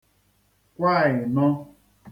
kwa ị̀nọ